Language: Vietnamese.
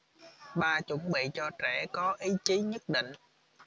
ba chuẩn bị cho trẻ có ý chí nhất định